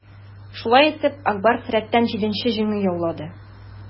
Шулай итеп, "Ак Барс" рәттән җиденче җиңү яулады.